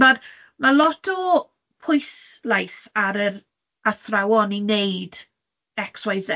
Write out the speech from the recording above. ma'r ma' lot o pwyslais ar yr athrawon i 'neud X, Y,